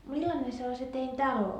millainen se oli se teidän talo